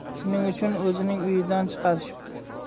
shuning uchun o'zining uyidan chiqarishibdi